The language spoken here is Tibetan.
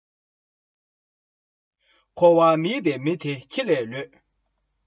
གོ བ མེད པའི མི དེ ཁྱི ལས ལོད